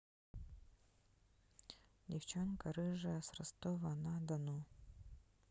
девчонка рыжая с ростова на дону